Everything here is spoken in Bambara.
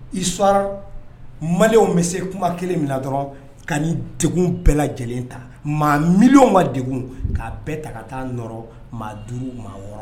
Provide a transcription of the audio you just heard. I sɔrɔ maliw bɛ se kuma kelen min na dɔrɔn ka denw bɛɛ lajɛlen ta maa miliw ma de'a bɛɛ ta ka taa nɔrɔ maa duuru ma wɔɔrɔ